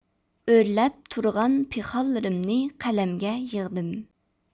ئۆرلەپ تۇرغان پىخانلىرىمنى قەلەمگە يىغدىم